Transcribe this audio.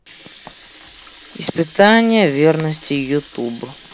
испытание верности ютуб